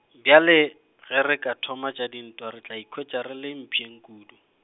bjale, ge re ka thoma tša dintwa re tla ikhwetša re le mpšeng kudu.